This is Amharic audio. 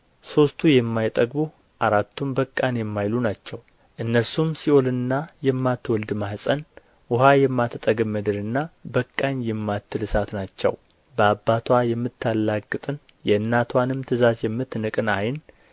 ሦስቱ የማይጠግቡ አራቱም በቃን የማይሉ ናቸው እነርሱም ሲኦልና የማትወልድ ማኅፀን ውኃ የማትጠግብ ምድርና በቃኝ የማትል እሳት ናቸው በአባትዋ የምታላግጥን የእናትዋንም ትእዛዝ የምትንቅን ዓይን